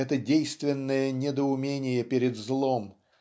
это действенное недоумение перед злом